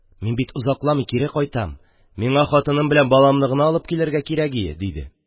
– мин бит озакламый кире кайтам, миңа хатыным белән баламны гына алып килергә кирәгие, – диде.